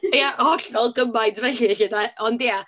Ia, hollol gymaint felly 'lly 'de. Ond ia.